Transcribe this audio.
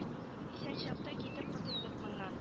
Исән чакта китеп котылыйк моннан